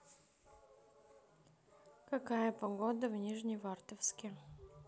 какая погода в нижневартовске